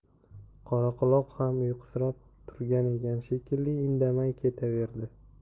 qoraquloq ham uyqusirab turgan ekan shekilli indamay ketaverdi